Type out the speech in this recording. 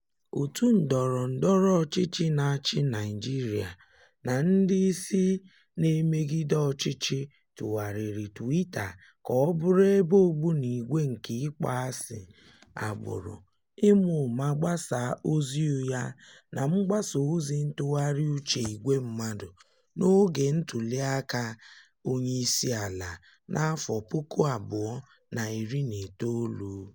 Otu ndọrọ ndọrọ ọchịchị na-achị Naịjirịa na ndị isi na-emegide ọchịchị tụgharịrị Twitter ka ọ bụrụ ebe ogbunigwe nke ịkpọasị agbụrụ, ịma ụma gbasaa ozi ụgha na mgbasa ozi ntụgharị uche ìgwe mmadụ n'oge ntụliaka onyeisiala 2019.